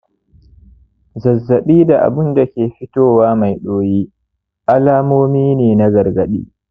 zazzaɓi da abunda ke fitowa mai ɗoyi alamomi ne na gargaɗi